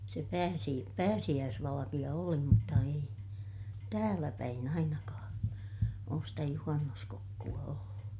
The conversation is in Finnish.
se - pääsiäisvalkea oli mutta ei täälläpäin ainakaan ole sitä juhannuskokkoa ollut